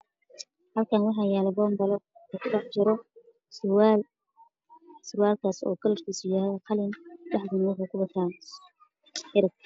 Halkan waxaa yaalo bombalo oo ku dhex jiro surwaal surwalkas oo kalarkisu yahay qalin dhexdana wuxuu ku wataa xarig